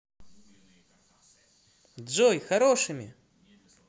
джой хорошими